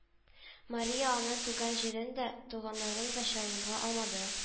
Мария аның туган җирен дә, туганнарын да чалымга алмады.